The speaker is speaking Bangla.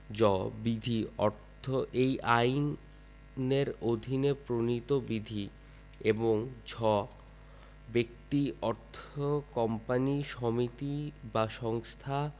জ বিধি অর্থ এই আইনের অধীন প্রণীত বিধি এবং ঝ ব্যক্তি অর্থ কোম্পানী সমিতি বা সংস্থা